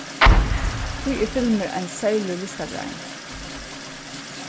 tí er filmur ein serlig listagrein